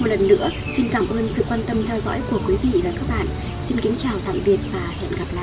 một lần nữa xin cảm ơn sự quan tâm theo dõi của quý vị và các bạn xin kính chào tạm biệt và hẹn gặp lại